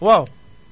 waaw